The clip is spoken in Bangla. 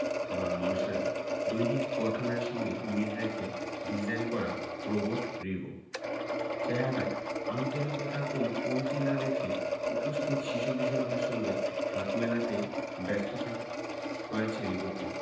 বা মানুষের দৈহিক গঠনের সঙ্গে মিল রেখে ডিজাইন করা রোবট রিবো চেহারায় আন্তরিকতার কোনো কমতি না রেখে উপস্থিত শিশু কিশোরদের সঙ্গে হাত মেলাতেই ব্যস্ত থাকতে হয়েছে রিবোকে